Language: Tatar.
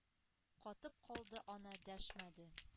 Катып калды ана, дәшмәде,